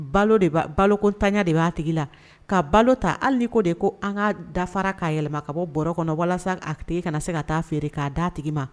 Balo de balotanya de b'a tigi la ka balo ta hali ko de ko an ka dafara k'a yɛlɛma ka bɔ bɔ kɔnɔ walasa a tɛ kana se ka taa feere k'a d da tigi ma